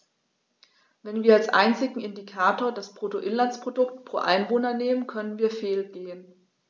Wenn wir als einzigen Indikator das Bruttoinlandsprodukt pro Einwohner nehmen, können wir fehlgehen.